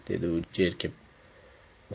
dedi u jerkib